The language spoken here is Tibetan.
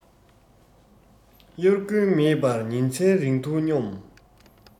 དབྱར དགུན མེད པར ཉིན མཚན རིང འཐུང སྙོམས